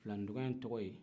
filanin tɔɲɔgɔn tɔgɔ ye